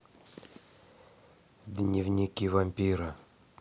дневники вампира